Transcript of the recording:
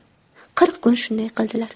qirq kun shunday qildilar